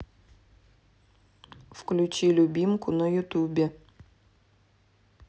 включи любимку на ютубе